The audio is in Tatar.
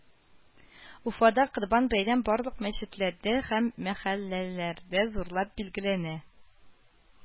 Уфада Корбан бәйрәм барлык мәчетләрдә һәм мәхәлләләрдә зурлап билгеләнә